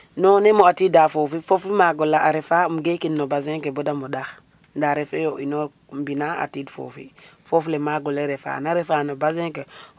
Non nem o atiidaa foofi foofi maag ola a refa um gekin no bassin ke bada ɓoɗax nda refee yee o inoor mbind na atiid foofi foof le maag ole refa na refa basin ke.